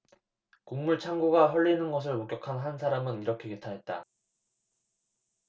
곡물 창고가 헐리는 것을 목격한 한 사람은 이렇게 개탄했다